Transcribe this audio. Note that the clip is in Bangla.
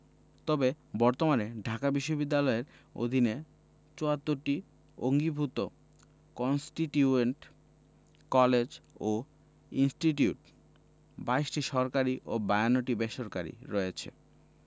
তবে বর্তমানে ঢাকা বিশ্ববিদ্যালয়ের অধীনে ৭৪টি অঙ্গীভুত কন্সটিটিউয়েন্ট কলেজ ও ইনস্টিটিউট ২২টি সরকারি ও ৫২টি বেসরকারি রয়েছে